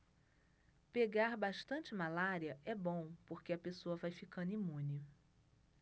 pegar bastante malária é bom porque a pessoa vai ficando imune